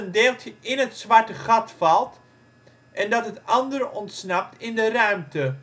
deeltje in het zwarte gat valt en dat het andere ontsnapt in de ruimte